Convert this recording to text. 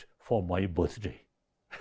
pho mai bớt đây